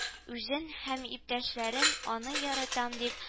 Үзен һәм иптәшләрен аны яратам дип